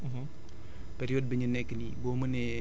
donc ci préparé suuf tamit dafay baax